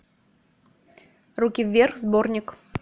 руки вверх сборник